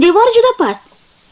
devor juda past